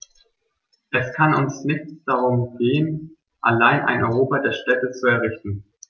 Es kann uns nicht darum gehen, allein ein Europa der Städte zu errichten.